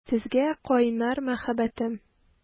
Сезгә кайнар мәхәббәтем!